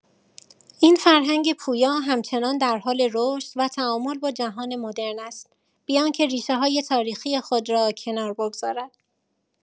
این فرهنگ پویا همچنان در حال رشد و تعامل با جهان مدرن است، بی‌آنکه ریشه‌های تاریخی خود را کنار بگذارد.